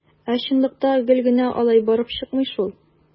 Ә чынлыкта гел генә алай барып чыкмый шул.